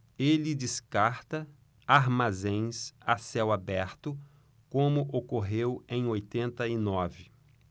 ele descarta armazéns a céu aberto como ocorreu em oitenta e nove